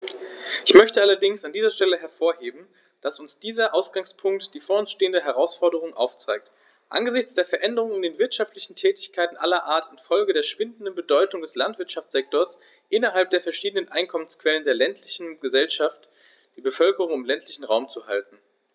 Ich möchte allerdings an dieser Stelle hervorheben, dass uns dieser Ausgangspunkt die vor uns stehenden Herausforderungen aufzeigt: angesichts der Veränderungen in den wirtschaftlichen Tätigkeiten aller Art infolge der schwindenden Bedeutung des Landwirtschaftssektors innerhalb der verschiedenen Einkommensquellen der ländlichen Gesellschaft die Bevölkerung im ländlichen Raum zu halten.